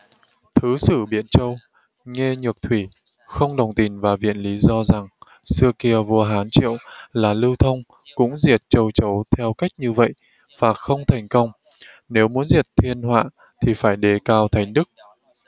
thứ sử biện châu nghê nhược thủy không đồng tình và viện lí do rằng xưa kia vua hán triệu là lưu thông cũng diệt châu chấu theo cách như vậy và không thành công nếu muốn diệt thiên họa thì phải đề cao thánh đức